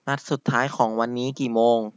นัดสุดท้ายของวันนี้กี่โมง